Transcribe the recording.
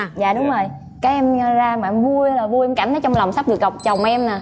dạ đúng rồi cái em ra mà em vui ơi là vua em cảm thấy trong lòng sắp được gặp chồng em nè